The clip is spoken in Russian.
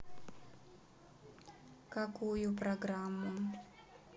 какую программу